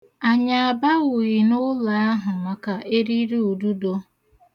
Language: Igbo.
Anyị abawughị n'ụlọ ahụ maka eririududo.